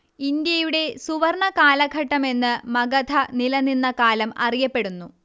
ഇന്ത്യയുടെ സുവര്ണ്ണ കാലഘട്ടമെന്ന് മഗധ നിലനിന്ന കാലം അറിയപ്പെടുന്നു